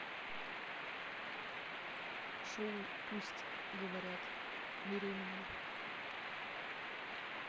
шоу пусть говорят беременна